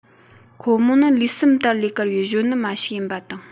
ཁོ མོ ནི ལུས སེམས དར ལས དཀར བའི གཞོན ནུ མ ཞིག ཡིན པ དང